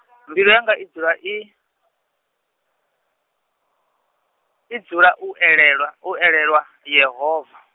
mbilu yanga i dzula i, i dzula u elelwa, u elelwa, Yehova.